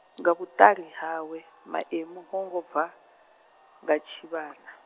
nga vhuṱali hawe, Maemu ho ngo bva, nga tshivhana.